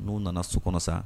N'u nana so kɔnɔ sa